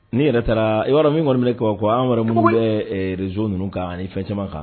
Ni'i yɛrɛ taara i yɔrɔ min kɔniminɛ kuwa an yɛrɛ minnu bɛ z ninnu kan ani ni fɛn camanma kan